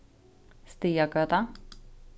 stiðjagøta